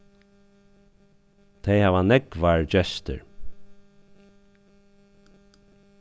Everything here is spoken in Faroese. tey hava nógvar gestir